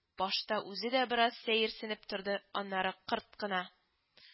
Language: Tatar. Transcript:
Башта үзе дә бераз сәерсенеп торды, аннары кырт кына: